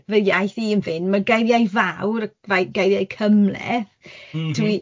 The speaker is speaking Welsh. fy iaith i yn fyn'. Ma' geiriau fawr, fel geiriau cym'leth... M-hm... Dwi